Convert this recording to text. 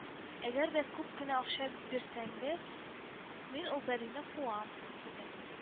Әгәр дә күп кенә акча бирсәңез, мин ул пәрине куам»,— диген